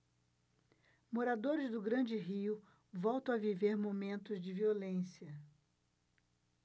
moradores do grande rio voltam a viver momentos de violência